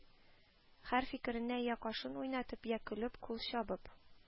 Һәр фикеренә йә кашын уйнатып, йә көлеп, кул чабып,